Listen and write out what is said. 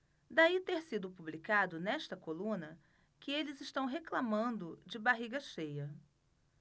daí ter sido publicado nesta coluna que eles reclamando de barriga cheia